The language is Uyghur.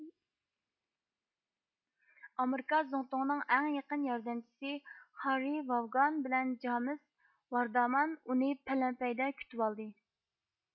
ئامېرىكا زۇڭتۇڭىنىڭ ئەڭ يېقىن ياردەمچىسى خاررى ۋاۋگان بىلەن جامېس ۋاردامان ئۇنى پەلەمپەيدە كۈتۈۋالدى